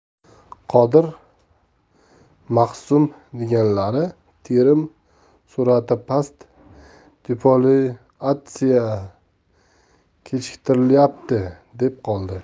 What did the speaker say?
qodir maxsum deganlari terim surati past defoliatsiya kechiktirilyapti deb qoldi